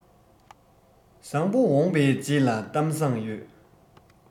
བཟང པོ འོངས པའི རྗེས ལ གཏམ བཟང ཡོད